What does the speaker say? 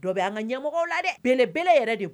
Dɔw bɛ an ka ɲɛmɔgɔ la dɛ bele b yɛrɛ don